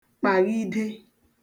kpàghide